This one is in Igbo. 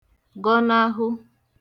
gọnahụ